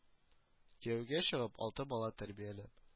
Кияүгә чыгып, алты бала тәрбияләп